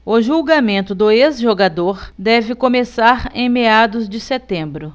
o julgamento do ex-jogador deve começar em meados de setembro